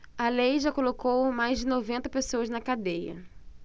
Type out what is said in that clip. a lei já colocou mais de noventa pessoas na cadeia